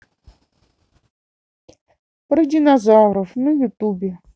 про динозавров на ютубе